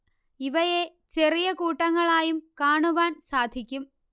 ഇവയെ ചെറിയ കൂട്ടങ്ങളായും കാണുവാൻ സാധിക്കും